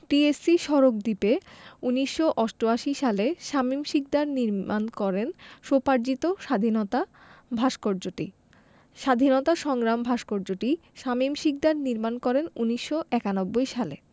TSC সড়ক দ্বীপে ১৯৮৮ সালে শামীম শিকদার নির্মাণ করেন স্বোপার্জিত স্বাধীনতা ভাস্কর্যটি স্বাধীনতা সংগ্রাম ভাস্কর্যটি শামীম শিকদার নির্মাণ করেন ১৯৯১ সালে